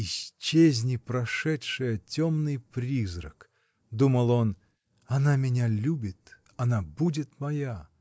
"Исчезни, прошедшее, темный призрак, -- думал он, -- она меня любит, она будет моя".